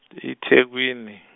iThekwini.